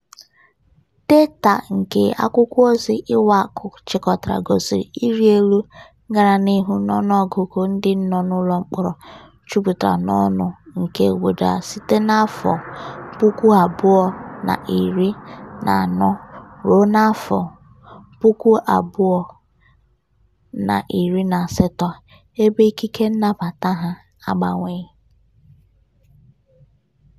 Data nke akwụkwọozi Iwacu chịkọtara gosịrị ịrị elu gara n'ihu n'ọnụọgụgụ ndị nọ n'ụlọmkpọrọ jupụtara n'ọnụ nke obodo a site na 2014 ruo 2018, ebe ikike nnabata ha agbanweghị.